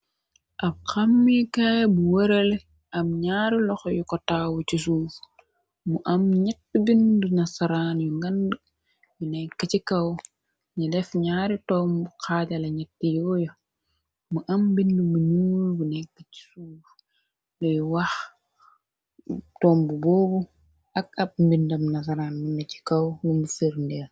Ab xammikaay bu wërale ab ñaari loxo yu ko tawwu ci suuf mu am ñett bindu nasaraan yu ngan bu nekk ci kaw ni def ñaari tomb xaajala ñetti yuoyo mu am mbinda mu nuul bu nekk ci suuf luy wax tomb boobu ak ab mbindam nasaraan mu na ci kaw mumu firndeer.